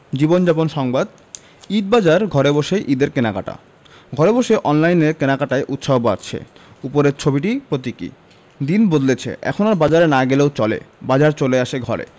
জীবনযাপনসংবাদ ঈদবাজার ঘরে বসেই ঈদের কেনাকাটা ঘরে বসে অনলাইনে কেনাকাটায় উৎসাহ বাড়ছে উপরের ছবিটি প্রতীকী দিন বদলেছে এখন আর বাজারে না গেলেও চলে বাজার চলে আসে ঘরে